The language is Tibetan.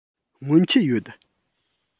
སྔོན ཆད ཡོད